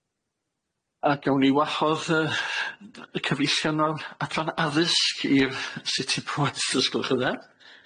A gawn ni wahodd yy y cyfeillion o'r Adran Addysg i'r seti poeth, os gwelwch yn dda.